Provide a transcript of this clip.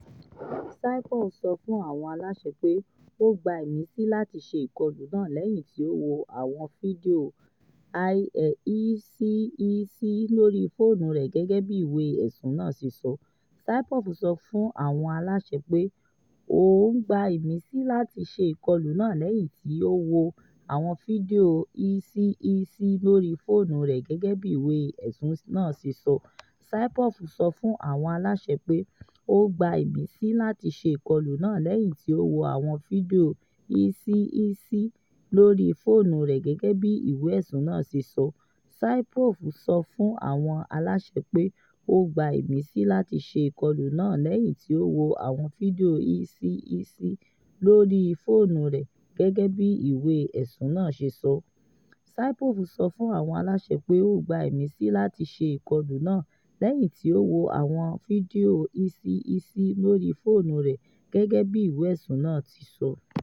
Saipov sọ fún àwọn aláṣẹ pé ó gba ìmísí láti ṣe ìkọlù náà lẹ́yìn tí ó wo àwọn fídíò ISIS lórí fóònù rẹ̀, gẹ́gẹ́ bí ìwé ẹ̀sùn náà ṣe sọ.